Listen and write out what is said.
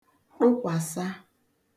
ṭụkwàsa